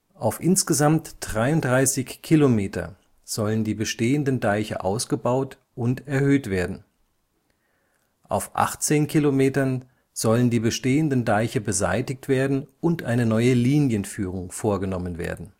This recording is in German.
Auf insgesamt 33 km sollen die bestehenden Deiche ausgebaut und erhöht werden. Auf 18 km sollen die bestehenden Deiche beseitigt werden und eine neue Linienführung vorgenommen werden